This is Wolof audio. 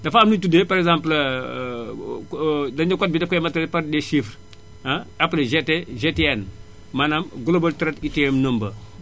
dafa am lu ñuy tuddee par exemple dañu ne code bi dakoy matériel par des chiffres ah appelé GTN maanaam global trade ITM number